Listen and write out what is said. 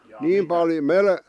niin --